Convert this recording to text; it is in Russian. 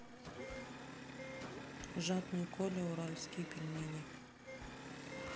жадный коля уральские пельмени